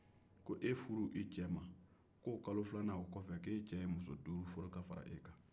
ko e furu e cɛ ma k'o a kalo filanan o kɔfɛ ko e cɛ ye muso duuru furu ka fara e kan